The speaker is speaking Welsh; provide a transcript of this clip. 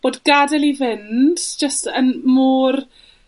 bod gadel i fynd jyst yn mor